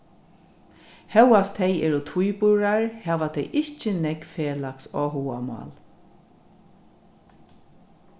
hóast tey eru tvíburar hava tey ikki nógv felags áhugamál